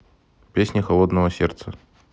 песни холодного сердца